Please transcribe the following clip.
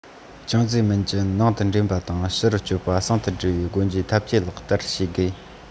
ཅང ཙེ རྨིན གྱི ནང དུ འདྲེན པ དང ཕྱི རུ སྐྱོད པ ཟུང དུ སྦྲེལ བའི སྒོ འབྱེད འཐབ ཇུས ལག བསྟར བྱ དགོས